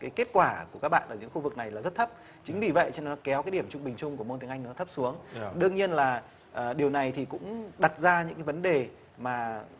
cái kết quả của các bạn ở những khu vực này là rất thấp chính vì vậy cho nên nó kéo điểm trung bình chung của môn tiếng anh nó thấp xuống đương nhiên là điều này thì cũng đặt ra những vấn đề mà